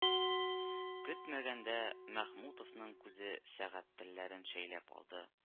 Көтмәгәндә Мәхмүтовның күзе сәгать телләрен шәйләп алды